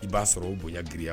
I b'a sɔrɔ o bonya girinya